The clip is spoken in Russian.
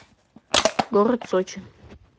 город сочи